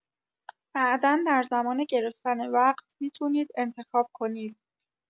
بعدا در زمان گرفتن وقت می‌تونید انتخاب کنید